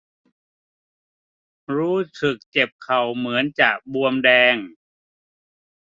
รู้สึกเจ็บเข่าเหมือนจะบวมแดง